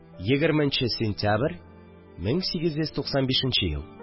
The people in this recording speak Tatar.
20 нче сентябрь, 1895 ел